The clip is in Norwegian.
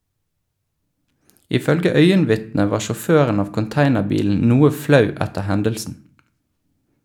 Ifølge øyenvitnet var sjåføren av containerbilen noe flau etter hendelsen.